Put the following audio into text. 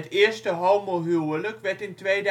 eerste homohuwelijk werd in 2007